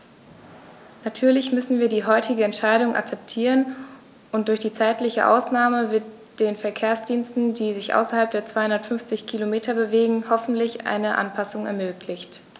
Natürlich müssen wir die heutige Entscheidung akzeptieren, und durch die zeitliche Ausnahme wird den Verkehrsdiensten, die sich außerhalb der 250 Kilometer bewegen, hoffentlich eine Anpassung ermöglicht.